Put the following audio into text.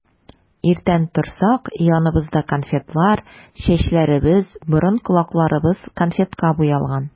Иртән торсак, яныбызда конфетлар, чәчләребез, борын-колакларыбыз конфетка буялган.